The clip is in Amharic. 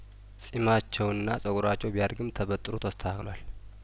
ጺማቸውና ጹጉራቸው ቢያድግም ተበጥሮ ተስተሀክሏል